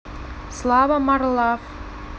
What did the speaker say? slava marlow